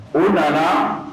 O nana